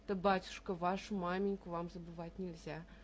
Да, батюшка, вашу маменьку вам забывать нельзя